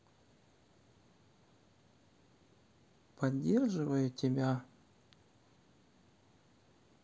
поддерживаю тебя